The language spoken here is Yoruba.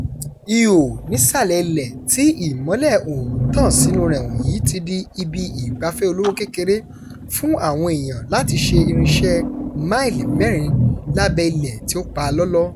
Ihò nísàlẹ̀ ilẹ̀ tí ìmọ́lẹ̀ oòrùn tán sínúu rẹ̀ wọ̀nyí ti di ibi ìgbafẹ́ olówó kékeré fún àwọn èèyàn láti ṣe ìrinsẹ̀ máìlì mẹ́rin lábẹ́ ilẹ̀ tí ó pa lọ́lọ́.